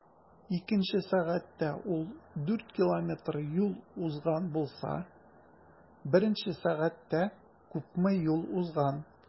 Икенче сәгатьтә ул 4 км юл узган булса, беренче сәгатьтә күпме юл узган?